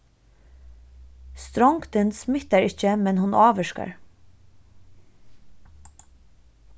strongdin smittar ikki men hon ávirkar